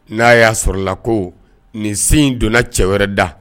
N'a y'a sɔrɔ la ko nin se in donna cɛ wɛrɛ da